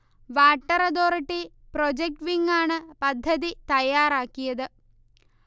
water authority project wing ആണ് പദ്ധതി തയ്യാറാക്കിയത്